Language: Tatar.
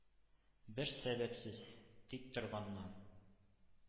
Бер сәбәпсез, тик торганнан.